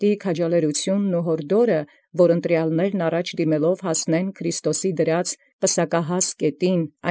Անդ քաջալերութիւն յորդորական վարդապետութեան, առ ի յառաջադէմ ընտրութեանն՝ պսակահաս քրիստոսադիր կիտին։